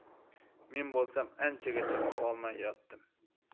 men bo'lsam anchagacha uxlolmay yotdim